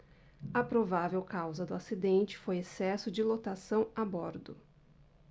a provável causa do acidente foi excesso de lotação a bordo